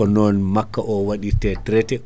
ko non makka o waɗirte traité